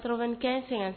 Skɛ sɛgɛn